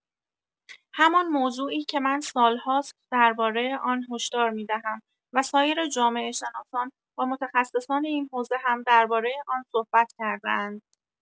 همان موضوعی که من سالهاست درباره آن هشدار می‌دهم و سایر جامعه شناسان و متخصصان این حوزه هم درباره آن صحبت کرده‌اند.